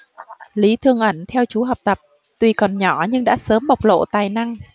lý thương ẩn theo chú học tập tuy còn nhỏ những đã sớm bộc lộ tài năng